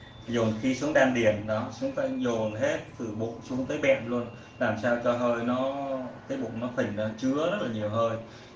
trong kiếm hiệp người ta hay gọi khí tụ đan điền chúng ta dồn hơi xuống tới bẹn luôn sao cho cái bụng phình ra thật tó chứa thật nhiều hơi